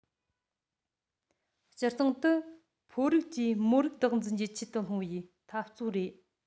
སྤྱིར བཏང དུ ཕོ རིགས ཀྱིས མོ རིགས བདག འཛིན བགྱི ཆེད དུ སློང བའི འཐབ རྩོད རེད